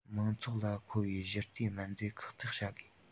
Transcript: མང ཚོགས ལ མཁོ བའི གཞི རྩའི སྨན རྫས ཁག ཐེག བྱ དགོས